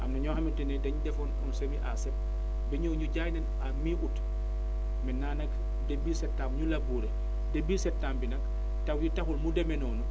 am na ñoo xamante ne dañu defoon un semis à sec ba ñooñu jaay nañ à mi août maintenant nag debut septembre ñu labourer début septembre bi nag taw yi taxul mu demee noonu